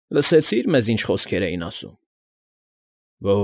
Լսեցի՞ր, մեզ ինչ խոսքեր էին ասում։